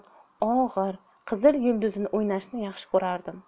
og'ir qizil yulduzini o'ynashni yaxshi ko'rardim